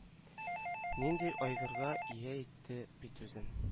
Нинди айгырга ия итте бит үзен